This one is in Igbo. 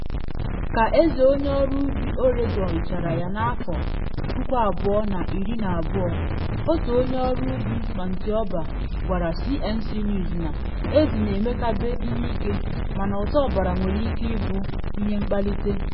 Ka ezi nke onye ọrụ ubi Oregon richara ya na 2012, otu onye ọrụ ubi Mantioba gwara CNC News na ezi na emekabe ihe ike mana ụtọ ọbara nwere ike ịbụ “ihe mkpalite.”